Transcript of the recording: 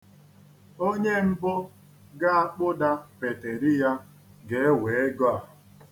Onye mbụ ga-akpụda peteri ya ga-ewe ego a.